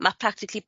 ma' practicaly